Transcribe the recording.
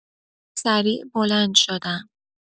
سریع بلند شدم